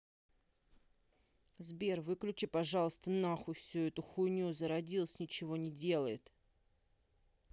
сбер выключи пожалуйста нахуй все за хуйню зародилась ничего не делает